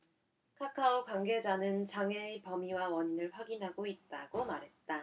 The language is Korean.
카카오 관계자는 장애의 범위와 원인을 확인하고 있다 고 말했다